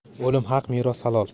o'lim haq meros halol